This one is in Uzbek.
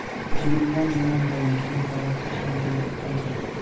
jinimdan yomon ko'raman shunaqa lattachaynar yigitlarni